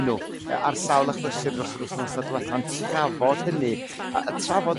nhw yrr ar sawl achlysur dros yr wythnosa' dwetha'n trafod hynny yrr a trafod